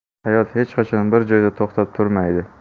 hayot hech qachon bir joyda to'xtab turmaydi